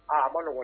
Aa ma